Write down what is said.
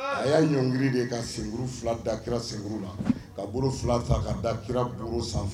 A y'a ɲɔnkili de ka senuru fila da kira sen la ka fila ta ka da kira duuru sanfɛ